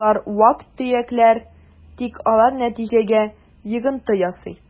Болар вак-төякләр, тик алар нәтиҗәгә йогынты ясый: